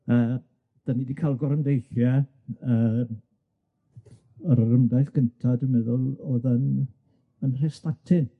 Yy 'dan ni 'di ca'l gorymdeithie yy yr orymdaith gynta dwi'n meddwl o'dd yn y, Mhrestatyn.